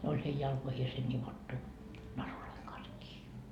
ne oli heidän jalkoihinsa nivottu narujen kanssa kiinni